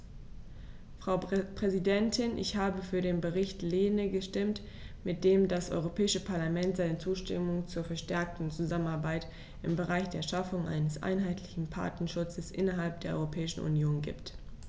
Frau Präsidentin, ich habe für den Bericht Lehne gestimmt, mit dem das Europäische Parlament seine Zustimmung zur verstärkten Zusammenarbeit im Bereich der Schaffung eines einheitlichen Patentschutzes innerhalb der Europäischen Union gibt.